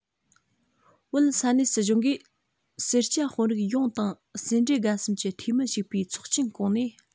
བོད ས གནས སྲིད གཞུང གིས སེར སྐྱ དཔོན རིགས ཡོངས དང སེར འབྲས དགའ གསུམ གྱི འཐུས མི ཞུགས པའི ཚོགས ཆེན བསྐོངས ནས